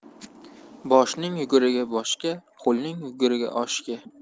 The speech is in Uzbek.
boshning yugurigi boshga qo'lning yugurigi oshga